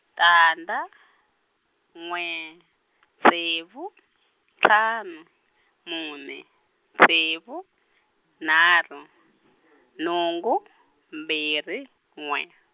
tandza, n'we, ntsevu ntlhanu mune ntsevu nharhu , nhungu mbirhi n'we.